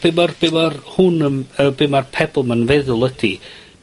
be' ma'r be' ma'r hwn yn, yy be' ma'r Pebble 'ma'n feddwl ydi,